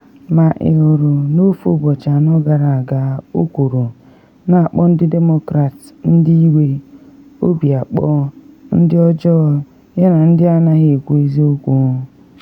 “Ma ị hụrụ n’ofe ụbọchị anọ gara aga,” o kwuru, na akpọ ndị Demokrats “ndị iwe, obi akpọ, ndị njọ yana ndị na anaghị ekwu eziokwu.’